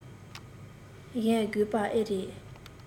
གཞལ དགོས པ ཨེ རེད